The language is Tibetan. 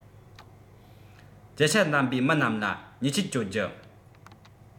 རྒྱུ ཆ གདམ པའི མི རྣམས ལ ཉེས ཆད གཅོད རྒྱུ